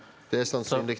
det er sannsynlig.